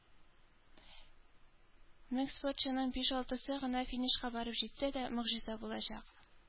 Мең спортчының биш-алтысы гына финишка барып җитсә дә, могҗиза булачак.